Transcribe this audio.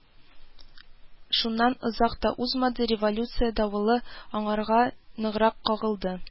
Шуннан озак та узмады, революция давылы аңарга ныграк кагылды